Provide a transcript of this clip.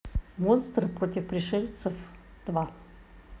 монстры против пришельцев два